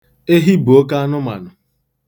Ehi bụ oke anụmanụ.